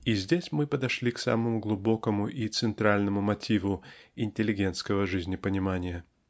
И здесь мы подошли к самому глубокому и центральному мотиву интеллигентского жизнепонимания.